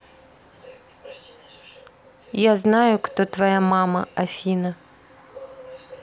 я знаю кто твоя мама афина